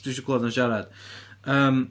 Dwi isio clywed o'n siarad. Yym...